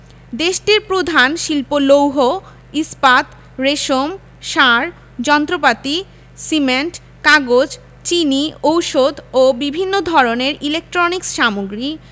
দেশটির প্রধান শিল্প লৌহ ইস্পাত রেশম সার যন্ত্রপাতি সিমেন্ট কাগজ চিনি ঔষধ ও বিভিন্ন ধরনের ইলেকট্রনিক্স সামগ্রী